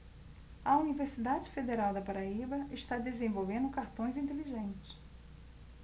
a universidade federal da paraíba está desenvolvendo cartões inteligentes